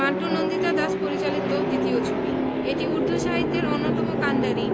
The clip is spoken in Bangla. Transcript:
মান্টো নন্দিতা দাস পরিচালিত দ্বিতীয় ছবি এটি উর্দু সাহিত্যের অন্যতম কান্ডারি